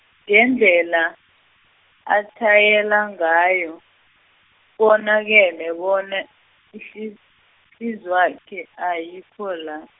ngendlela, atjhayela ngayo, bonakele bona, ihli- ihliziywakhe, ayikho la.